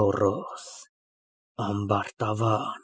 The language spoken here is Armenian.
Գոռոզ, ամբարտավան։